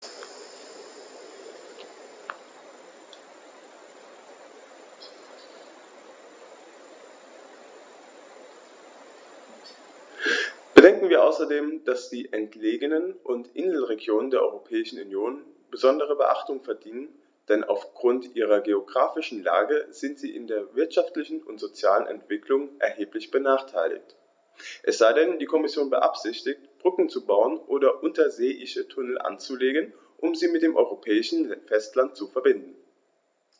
Bedenken wir außerdem, dass die entlegenen und Inselregionen der Europäischen Union besondere Beachtung verdienen, denn auf Grund ihrer geographischen Lage sind sie in ihrer wirtschaftlichen und sozialen Entwicklung erheblich benachteiligt - es sei denn, die Kommission beabsichtigt, Brücken zu bauen oder unterseeische Tunnel anzulegen, um sie mit dem europäischen Festland zu verbinden.